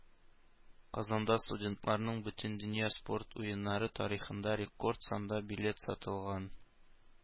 Казанда студентларның Бөтендөнья спорт Уеннары тарихында рекорд санда билет сатылган.